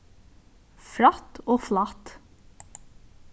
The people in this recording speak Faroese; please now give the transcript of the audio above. frætt og flatt